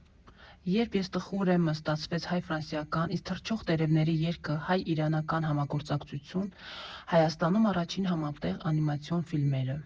«Երբ ես տխուր եմ»֊ը ստացվեց հայ֊ֆրանսիական, իսկ «Թռչող տերևների երգը» հայ֊իրանական համագործակցություն՝ Հայաստանում առաջին համատեղ անիմացիոն ֆիլմերը։